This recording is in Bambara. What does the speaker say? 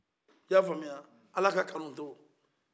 i ye a faamuya ɔ ala ka kanu to